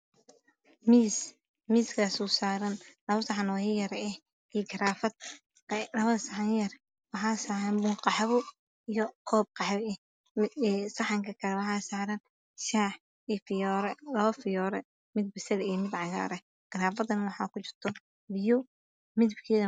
Waa miis oo saaran labo saxan oo yaryar ah iyo garaafo. Labada saxan waxaa saaran koob qaxwe ah iyo shaax. Saxanka kale waxaa saaran shaax iyo labo fiyoore. Garaafadana waxaa kujiro biyo.